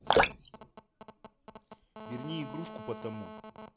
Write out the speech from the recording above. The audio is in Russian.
верни игрушку потому